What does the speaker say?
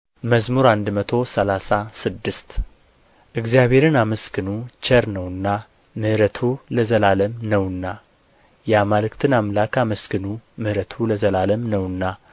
መዝሙር መቶ ሰላሳ ስድስት እግዚአብሔርን አመስግኑ ቸር ነውና ምሕረቱ ለዘላለም ነውና የአማልክትን አምላክ አመስግኑ ምሕረቱ ለዘላለም ነውና